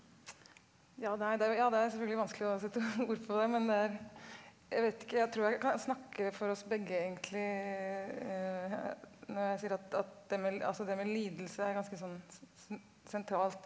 ja nei det er jo ja det er selvfølgelig vanskelig å sette ord på det, men det er jeg vet ikke jeg tror jeg kan snakke for oss begge egentlig når jeg sier at at det med altså det med lidelse er ganske sånn sentralt.